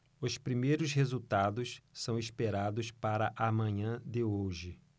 os primeiros resultados são esperados para a manhã de hoje